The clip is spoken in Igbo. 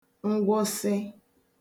ngwụsị